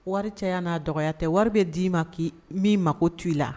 Wari caya yya n'a dɔgɔ tɛ wari bɛ d'i ma k'i min ma ko to i la